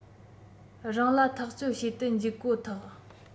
རང ལ ཐག གཅོད བྱེད དུ འཇུག ཀོ ཐག